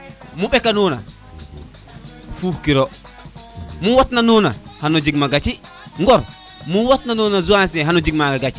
mu ɓeka nona fuux kiro mu wat nano na xano jeg maga gaci ŋor mu wat nano Zancier xano jeg maga gaci